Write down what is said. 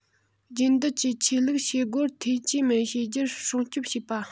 རྒྱུན གཏན གྱི ཆོས ལུགས བྱེད སྒོར ཐེ ཇུས མི བྱེད རྒྱུར སྲུང སྐྱོང བྱེད པ